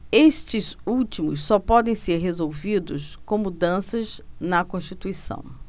estes últimos só podem ser resolvidos com mudanças na constituição